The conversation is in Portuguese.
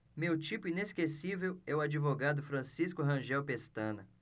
meu tipo inesquecível é o advogado francisco rangel pestana